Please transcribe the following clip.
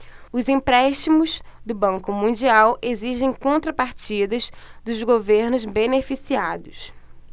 os empréstimos do banco mundial exigem contrapartidas dos governos beneficiados